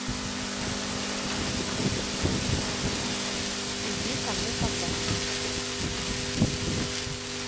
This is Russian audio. иди ко мне когда